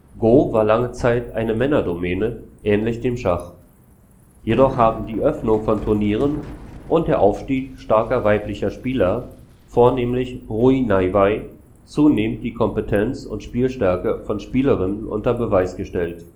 Go war lange Zeit eine Männerdomäne, ähnlich dem Schach. Jedoch haben die Öffnung von Turnieren und der Aufstieg starker weiblicher Spieler, vornehmlich Rui Naiwei, zunehmend die Kompetenz und Spielstärke von Spielerinnen unter Beweis gestellt